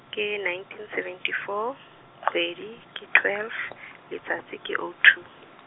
ke nineteen seventy four, kgwedi, ke twelve , letsatsi ke oh two.